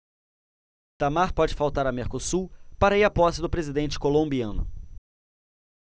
itamar pode faltar a mercosul para ir à posse do presidente colombiano